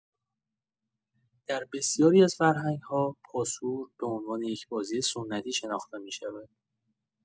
در بسیاری از فرهنگ‌ها، پاسور به‌عنوان یک بازی سنتی شناخته می‌شود.